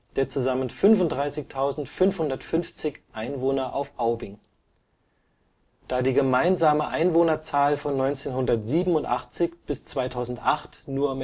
der zusammen 35.550 Einwohner auf Aubing. Da die gemeinsame Einwohnerzahl von 1987 bis 2008 nur